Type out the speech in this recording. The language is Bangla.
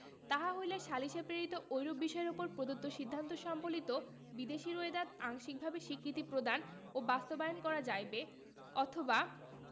তাহা হইলে সালিসে প্রেরিত ঐরূপ বিষয়ের উপর প্রদত্ত সিদ্ধান্ত সম্বলিত বিদেশী রোয়েদাদ আংশিকভাবে স্বীকৃতি প্রদান ও বাস্তবায়ন করা যাইবে অথবা